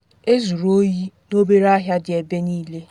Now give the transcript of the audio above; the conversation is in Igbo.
Ezuru oyi n’obere ahịa dị ebe niile.”